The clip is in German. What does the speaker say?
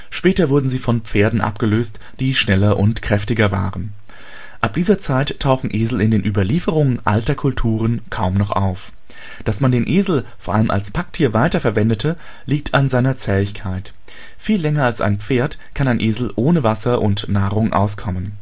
Später wurden sie von Pferden abgelöst, die schneller und kräftiger waren. Ab dieser Zeit tauchen Esel in den Überlieferungen alter Kulturen kaum noch auf. Dass man den Esel vor allem als Packtier weiter verwendete, liegt an seiner Zähigkeit. Viel länger als ein Pferd kann ein Esel ohne Wasser und Nahrung auskommen